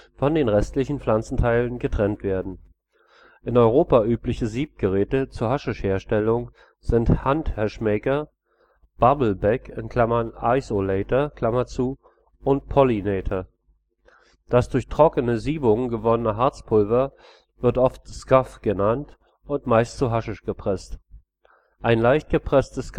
von den restlichen Pflanzenteilen getrennt werden. In Europa übliche Sieb-Geräte zur Haschisch-Herstellung sind Handhashmaker, Bubble-Bag (Ice-O-Lator) und Pollinator. Das durch trockene Siebungen gewonnene Harzpulver wird oft „ Skuff “genannt und meist zu Haschisch gepresst. Ein leicht gepresstes